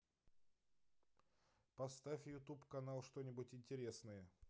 поставь ютуб канал что нибудь интересное